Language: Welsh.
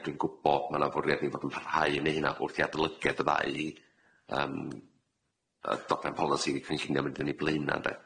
Dwi'n gwbod ma' 'na fwriad i ni fod yn parhau i neu' hynna wrth i adolygiad y ddau i yym yy ddogfen polisi cynllunio mynd yn eu blaena', ynde?